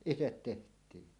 itse tehtiin